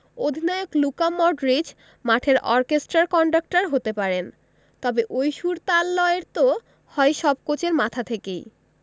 অধিনায়ক Luka Modric মাঠের অর্কেস্ট্রার কন্ডাক্টর হতে পারেন তবে ওই সুর তাল লয়ের তো হয় সব কোচের মাথা থেকেই